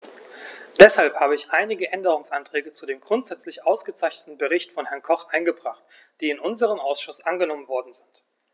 Deshalb habe ich einige Änderungsanträge zu dem grundsätzlich ausgezeichneten Bericht von Herrn Koch eingebracht, die in unserem Ausschuss angenommen worden sind.